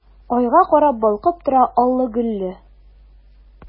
Айга карап балкып тора аллы-гөлле!